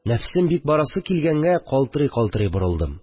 Нәфесем бик барасы килгәнгә, калтырый-калтырый борылдым